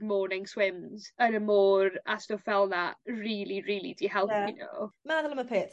morning swims yn y môr a stwff fel 'na rili rili 'di helpu n'w. Meddwl am y peth